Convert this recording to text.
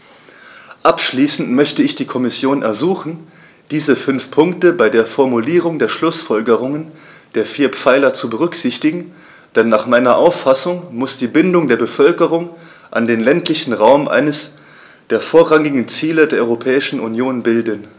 Abschließend möchte ich die Kommission ersuchen, diese fünf Punkte bei der Formulierung der Schlußfolgerungen der vier Pfeiler zu berücksichtigen, denn nach meiner Auffassung muss die Bindung der Bevölkerung an den ländlichen Raum eines der vorrangigen Ziele der Europäischen Union bilden.